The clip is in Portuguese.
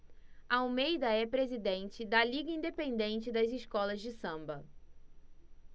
almeida é presidente da liga independente das escolas de samba